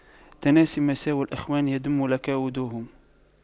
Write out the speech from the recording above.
تناس مساوئ الإخوان يدم لك وُدُّهُمْ